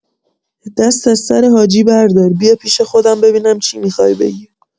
دست از سر حاجی بردار، بیا پیش خودم ببینم چی می‌خوای بگی!